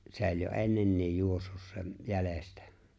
se oli jo ennenkin juossut sen jäljestä